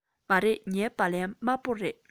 མ རེད ངའི སྦ ལན དམར པོ རེད